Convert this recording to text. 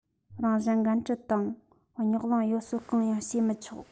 རང འགན གཞན དཀྲི དང རྙོག གླེང གཡོ ཟོལ གང ཡང བྱས མི ཆོག